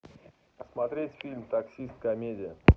смотреть фильм таксист комедия